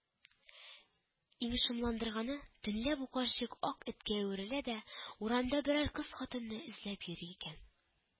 Иң шомландырганы — төнлә бу карчык ак эткә әверелә дә урамда берәр кыз-хатынны эзләп йөри икән